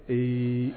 Ee